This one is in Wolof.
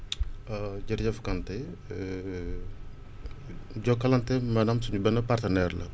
jërëjëf Kanté Jokalante maanaam suñu benn partenaire la